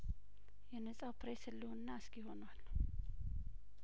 የነጻው ፕሬስ ህልውና አስጊ ሆኗል